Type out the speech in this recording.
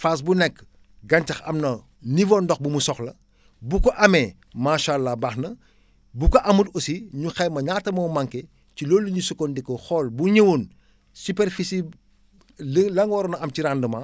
phase bu nekk gàncax am na niveau ndox bu mu soxla bu ko amee macha allah baax na bu ko amut aussi ñu xayma ñaata moo manqué ci loolu la ñuy sukkandiku xool bu ñëwoon superficie li la nga waroon a am ci rendement